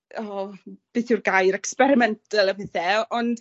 o beth yw'r gair, experimental a pethe yy ond